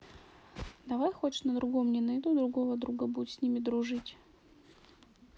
давай хочешь на другом не найду другого друга будет с ним дружить